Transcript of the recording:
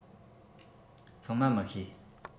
ཚང མ མི ཤེས